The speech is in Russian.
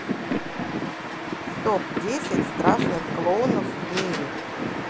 топ десять страшных клоунов в мире